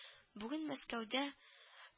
Бүген Мәскәүдә